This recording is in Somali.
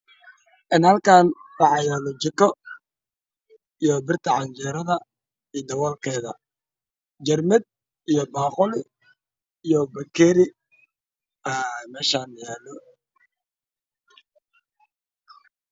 en halkaan waxaa yaaalo jiko iyo birta canjeerada iyo daboolkeeda. jarmad iyo baaquli iyo bakeeri aa meeshaan yaalo